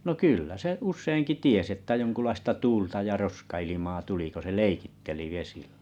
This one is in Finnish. no kyllä se useinkin tiesi että jonkunlaista tuulta ja roskailmaa tuli kun se leikitteli vesillä